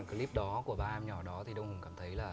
cờ líp đó của ba em nhỏ đó thì đông hùng cảm thấy là